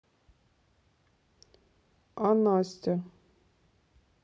а настя